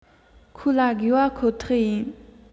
ཁོ ལ དགོས པ ཁོ ཐག ཡིན